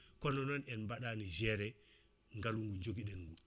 kono noon en baɗani géré ngaalu joguiɗen ngu